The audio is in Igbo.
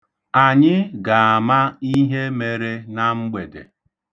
Anyị ga-ama ihe mere na mgbede.